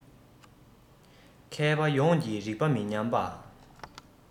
མཁས པ ཡོངས ཀྱི རིག པ མི ཉམས པ